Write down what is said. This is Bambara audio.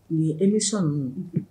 U ye émission ninnu